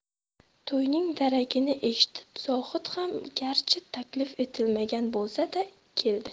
to'yning daragini eshitib zohid ham garchi taklif etilmagan bo'lsa da keldi